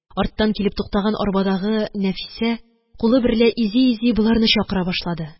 Арттан килеп туктаган арбадагы Нәфисә кулы берлә изи-изи боларны чакыра башлады.